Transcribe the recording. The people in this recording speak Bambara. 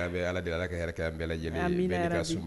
Ala deli ala ka hɛrɛ an bɛɛ lajɛlen